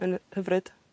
yn hyfryd.